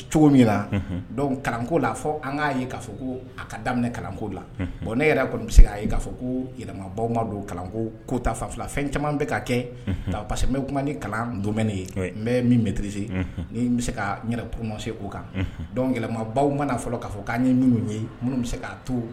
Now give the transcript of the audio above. Kalanko la fɔ an'a'a ko a ka daminɛ kalanko la ne yɛrɛ kɔni bɛ se' fɔ ko yɛlɛmabaw ma don kalanko kota fan fɛn caman bɛ ka kɛ k' parce quebe kuma ni kalan don ye n bɛ min bɛtiririse ni bɛ se ka yɛrɛ b se o kan dɔnbaw mana fɔlɔ k'a fɔ k'an ye ye minnu bɛ se k'a to